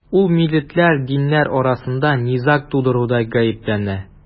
Ул милләтләр, диннәр арасында низаг тудыруда гаепләнә.